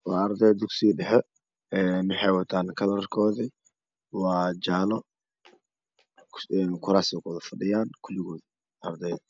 Waa arday dugsiga dhaxe een waxey wataan kalarkoda waa jaalo kuraase kuwad fadhiyan kuligooda ardayda